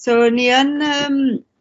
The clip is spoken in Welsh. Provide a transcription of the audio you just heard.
so 'yn ni yn yym